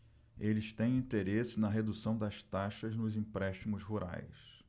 eles têm interesse na redução das taxas nos empréstimos rurais